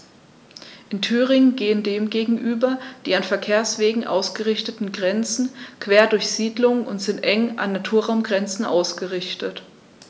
In Thüringen gehen dem gegenüber die an Verkehrswegen ausgerichteten Grenzen quer durch Siedlungen und sind eng an Naturraumgrenzen ausgerichtet.